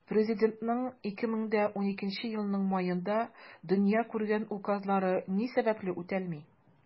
Президентның 2012 елның маенда дөнья күргән указлары ни сәбәпле үтәлми?